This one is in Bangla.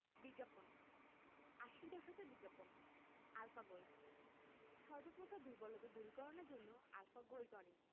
বিজ্ঞাপন আশির দশকের বিজ্ঞাপন আলফা গোল্ড সর্ব প্রকার দুর্বলতা দূরীকরণের জন্য আল্ ফা গোল্ড টনিক